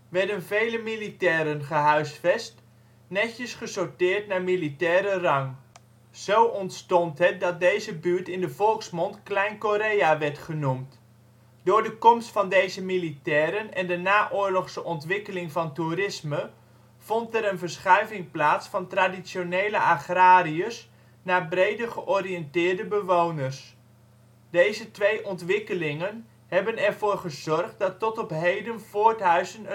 werden vele militairen gehuisvest, netjes gesorteerd naar militaire rang. Zo ontstond het dat deze buurt in de volksmond Klein Korea werd genoemd. Door de komst van deze militairen en de naoorlogse ontwikkeling van toerisme ontstond er een verschuiving plaats van traditionele agrariërs naar breder georiënteerde bewoners. Deze twee ontwikkelingen hebben er voor gezorgd dat tot op heden Voorthuizen